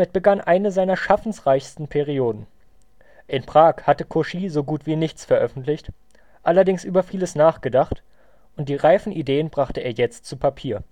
begann eine seiner schaffensreichsten Perioden. In Prag hatte Cauchy so gut wie nichts veröffentlicht, allerdings über vieles nachgedacht, und die reifen Ideen brachte er jetzt zu Papier